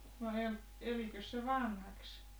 no - elikös se vanhaksi